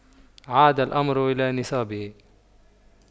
عاد الأمر إلى نصابه